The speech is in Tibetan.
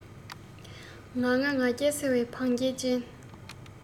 ང ང ང རྒྱལ ཟེར བའི བང རྒྱལ ཅན